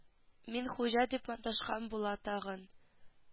Мин хуҗа дип маташкан була тагын